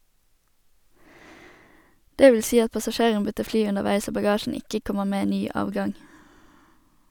Det vil si at passasjeren bytter fly underveis og bagasjen ikke kommer med ny avgang.